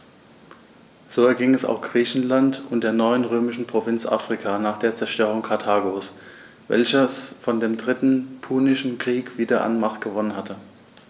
So erging es auch Griechenland und der neuen römischen Provinz Afrika nach der Zerstörung Karthagos, welches vor dem Dritten Punischen Krieg wieder an Macht gewonnen hatte.